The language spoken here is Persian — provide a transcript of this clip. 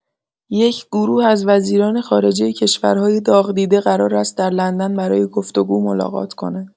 یک گروه از وزیران خارجه کشورهای داغ‌دیده قرار است در لندن برای گفت‌وگو ملاقات کنند.